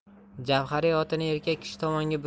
javhariy otini erkak kishi tomonga burib